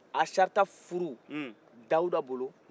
asarita furu dawuda bolo